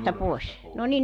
nurmesta pois